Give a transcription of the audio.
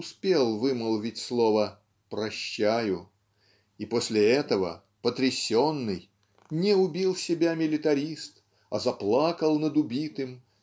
успел вымолвить слово "прощаю". И после этого потрясенный не убил себя милитарист а заплакал над убитым